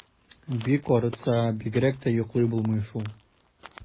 Бик арытса, бигрәк тә йоклап булмый шул.